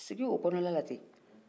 sigin o kɔnɔna na ten